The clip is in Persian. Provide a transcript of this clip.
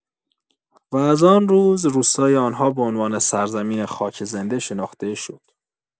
و از آن روز، روستای آن‌ها به عنوان سرزمین"خاک زنده"شناخته شد.